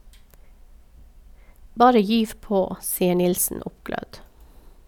Bare gyv på , sier Nilsen oppglødd.